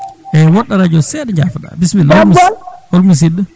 eyyi woɗɗo radio o seeɗa jafoɗa bisimilla hol musidɗo